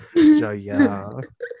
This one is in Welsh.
Joio!